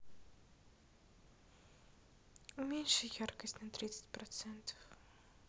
уменьши яркость на тридцать процентов